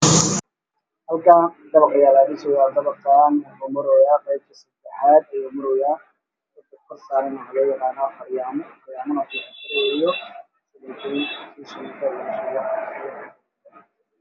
Meshan waxaa iiga muuqda Guri qabya ah qeybtiisa hose waa cadaan